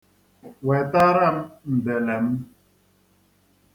Wetara m ndele m.